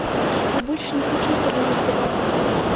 я больше не хочу с тобой разговаривать